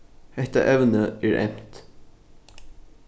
hetta evnið er eymt